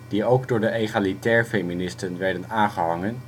die ook door de egalitair-feministen werden aangehangen